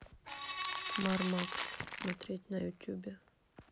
мармакс смотреть на ютубе